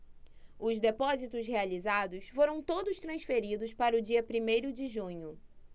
os depósitos realizados foram todos transferidos para o dia primeiro de junho